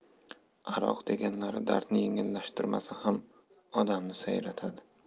aroq deganlari dardni yengillatmasa ham odamni sayratadi